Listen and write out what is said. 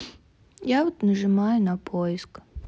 я вот нажимаю на поиск